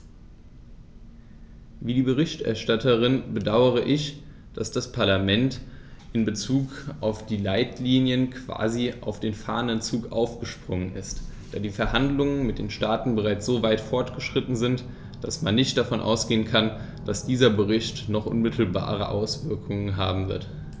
Wie die Berichterstatterin bedaure ich, dass das Parlament in bezug auf die Leitlinien quasi auf den fahrenden Zug aufgesprungen ist, da die Verhandlungen mit den Staaten bereits so weit fortgeschritten sind, dass man nicht davon ausgehen kann, dass dieser Bericht noch unmittelbare Auswirkungen haben wird.